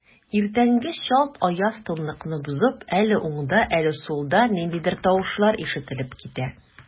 Иртәнге чалт аяз тынлыкны бозып, әле уңда, әле сулда ниндидер тавышлар ишетелеп китә.